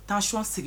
Tension sigi